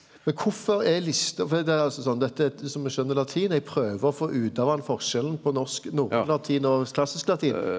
men kvifor er lista for det er altså sånn dette som me skjønner latin og eg prøver å få ut av han forskjellen på norsk norrøn latin og klassisk latin.